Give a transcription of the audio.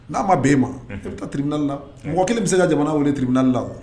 N'a ma b ma i bɛ taa tiridali la mɔgɔ kelen bɛ se ka jamana wele tiribidali la wa